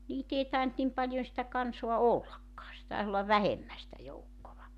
niitä ei tainnut niin paljon sitä kansaa ollakaan se taisi olla vähemmän sitä joukkoa